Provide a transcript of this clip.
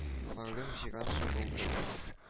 — мәгълүм җиһаншин булды